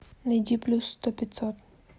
найди плюс сто пятьсот